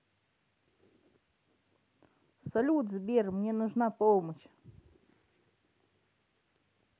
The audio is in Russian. салют сбер мне нужна помощь